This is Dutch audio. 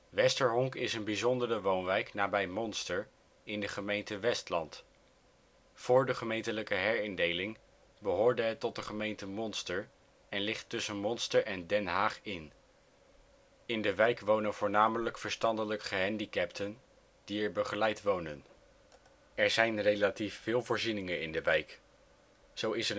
Westerhonk is een bijzondere woonwijk nabij Monster, in de gemeente Westland. Voor de herindeling behoorde het tot de gemeente Monster, en ligt tussen Monster en Den Haag in. In de wijk wonen voornamelijk verstandelijk gehandicapten, die er begeleid wonen. Er zijn relatief veel voorzieningen in de wijk. Zo is